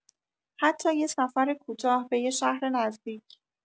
حتی یه سفر کوتاه به یه شهر نزدیک.